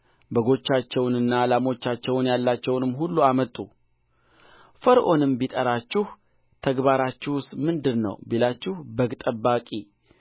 የዮሴፍም ልጆች ሁለት ናቸው ወደ ግብፅ የገቡት የያዕቆብ ቤተ ሰዎች ሁሉ ሰባ ናቸው ይሁዳንም